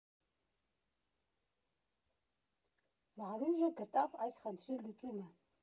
Վարուժը գտավ այս խնդրի լուծումը.